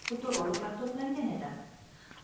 futurologlar to'plangan edi